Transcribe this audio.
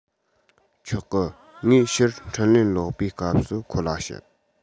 ཆོག གི ངས ཕྱིར འཕྲིན ལན ལོག པའི སྐབས སུ ཁོ ལ བཤད